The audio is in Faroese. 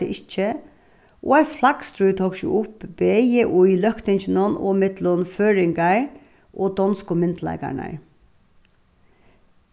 tað ikki og eitt flaggstríð tók seg upp bæði í løgtinginum og millum føroyingar og donsku myndugleikarnar